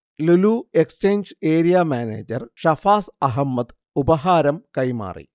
Lulu exchange area manager Shafas Ahammed ഉപഹാരം കൈമാറി